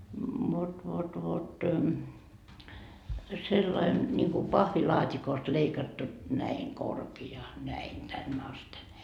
vot vot vot sellainen niin kuin pahvilaatikosta leikattu näin korkea näin tänne asti